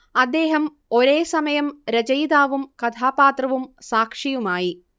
അദ്ദേഹം ഒരേസമയം രചയിതാവും കഥാപാത്രവും സാക്ഷിയുമായി